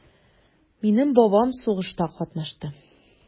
Минем бабам сугышта катнашты.